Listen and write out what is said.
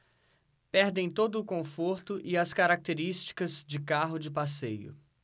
perdem todo o conforto e as características de carro de passeio